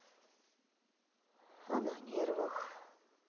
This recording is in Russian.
а на нервах